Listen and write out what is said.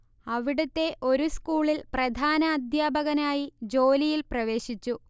അവിടുത്തെ ഒരു സ്കൂളിൽ പ്രധാന അദ്ധ്യാപകനായി ജോലിയിൽ പ്രവേശിച്ചു